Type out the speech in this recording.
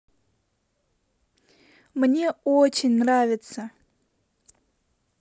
мне очень нравится